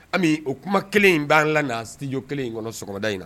O kuma kelen in baara la na sijo kelen in kɔnɔda in na